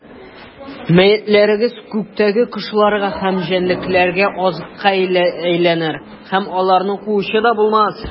Мәетләрегез күктәге кошларга һәм җәнлекләргә азыкка әйләнер, һәм аларны куучы да булмас.